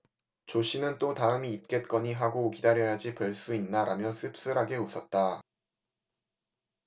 조씨는 또 다음이 있겠거니 하고 기다려야지 별 수 있나라며 씁쓸하게 웃었다